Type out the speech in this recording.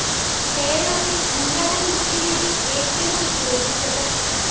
കേരളത്തിൽ മുണ്ടകൻ കൃഷി രീതി ഏറ്റവും യോജിച്ചത്